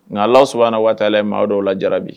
Nkalaw s waa ye maa dɔw la jara bi